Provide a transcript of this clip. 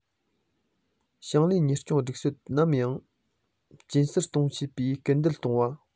ཞིང ལས གཉེར སྐྱོང སྒྲིག སྲོལ དང ནང རྐྱེན གསར གཏོད བྱེད པར སྐུལ འདེད གཏོང བ